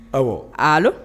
Ɔwɔaa